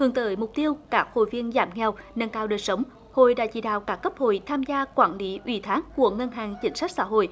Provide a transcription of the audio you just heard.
hướng tới mục tiêu các hội viên giảm nghèo nâng cao đời sống hội đã chỉ đạo các cấp hội tham gia quản lý ủy thác của ngân hàng chính sách xã hội